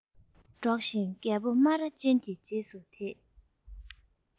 སྒྲོག བཞིན རྒད པོ སྨ ར ཅན གྱི རྗེས སུ དེད